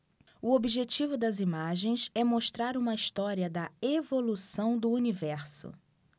o objetivo das imagens é mostrar uma história da evolução do universo